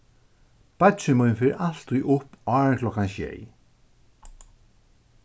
beiggi mín fer altíð upp áðrenn klokkan sjey